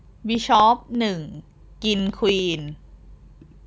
บิชอปหนึ่งกินควีน